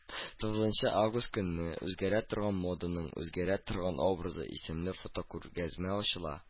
Тугызынчы август көнне “Үзгәрә торган моданың үзгәрә торган образы” исемле фотокүргәзмә ачыла